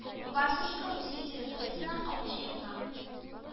Васюшка Русия территориясеннән агучы елга